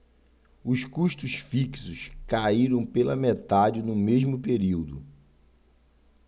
os custos fixos caíram pela metade no mesmo período